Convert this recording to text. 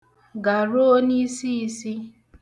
Garuo n'isiisi.